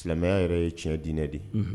Silamɛya yɛrɛ ye tiɲɛ diinɛ de ye, unhun